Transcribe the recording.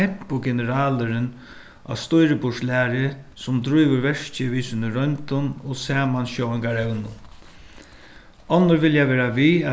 tempogeneralurin á stýriborðslæri sum drívur verkið við sínum royndum og samansjóðingarevnum onnur vilja vera við